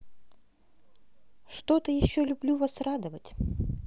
что то еще люблю вас радовать